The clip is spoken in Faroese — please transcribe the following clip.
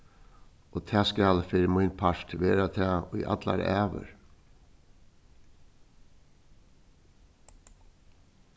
og tað skal fyri mín part vera tað í allar ævir